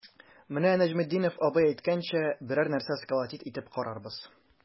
Менә Нәҗметдинов абый әйткәнчә, берәр нәрсә сколотить итеп карарбыз.